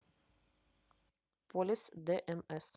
полис дмс